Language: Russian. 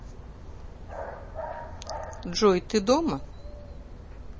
джой ты дома